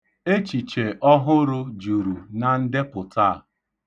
Echiche ọhụrụ juru na ndepụta a.